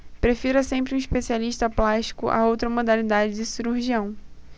prefira sempre um especialista plástico a outra modalidade de cirurgião